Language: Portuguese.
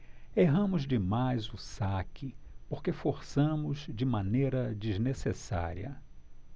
erramos demais o saque porque forçamos de maneira desnecessária